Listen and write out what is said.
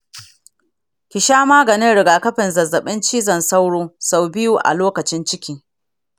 ki sha maganin rigakafin zazzaɓin cizon sauro sau biyu a lokacin ciki.